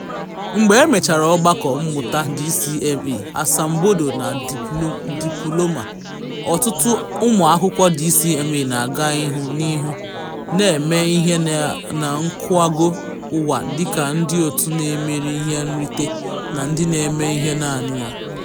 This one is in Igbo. Mgbe emechara ọgbakọ mmụta DCMA, asambodo na dipulọma, ọtụtụ ụmụakwụkwọ DCMA na-aga n'ihu na-eme ihe na nkwago ụwa dịka ndị otu na-emeri ihe nrite na ndị na-eme nke naanị ha.